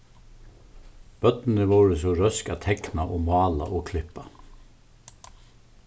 børnini vóru so røsk at tekna og mála og klippa